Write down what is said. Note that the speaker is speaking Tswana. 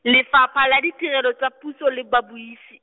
Lefapha la Ditirelo tsa Puso le Babuisi.